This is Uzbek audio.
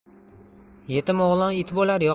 yetim o'g'lon it bo'lar